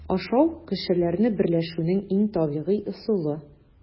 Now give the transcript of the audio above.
Ашау - кешеләрне берләшүнең иң табигый ысулы.